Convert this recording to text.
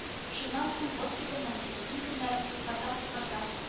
Шуннан соң госпитальнең озын көннәрен кыскарта-кыскарта